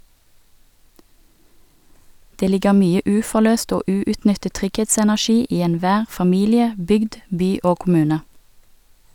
Det ligger mye uforløst og uutnyttet trygghetsenergi i enhver familie, bygd, by og kommune.